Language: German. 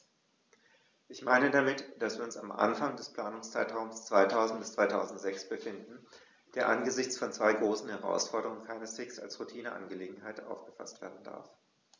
Ich meine damit, dass wir uns am Anfang des Planungszeitraums 2000-2006 befinden, der angesichts von zwei großen Herausforderungen keineswegs als Routineangelegenheit aufgefaßt werden darf.